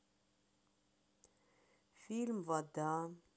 фильм вода